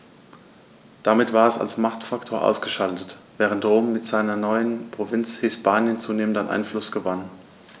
Damit war es als Machtfaktor ausgeschaltet, während Rom mit seiner neuen Provinz Hispanien zunehmend an Einfluss gewann.